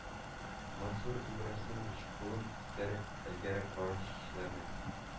Мансур Ибраһимович, кулын күтәреп, әлеге кара чәчләрне